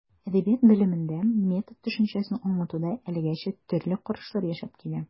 Әдәбият белемендә метод төшенчәсен аңлатуда әлегәчә төрле карашлар яшәп килә.